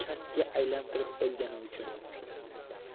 kasbga aylantirib olgani uchun